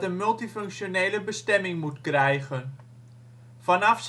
multifunctionele bestemming moet krijgen. Vanaf